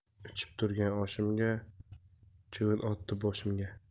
ichib turgan oshimga chivin otdi boshimga